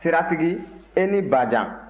siratigi e ni bajan